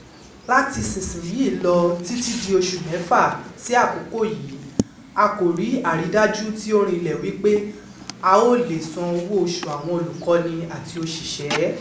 Láti ìsinsìnyí lọ títí di oṣù mẹ́fà sí àsìkò yìí, a kò rí àrídájú tí ó rinlẹ̀ wípé a ó leè san owó oṣù àwọn olùkọ́ni àti òṣìṣẹ́ẹ".